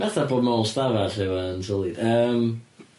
Fatha bod mewn stafell efo yn sylwi d- yym.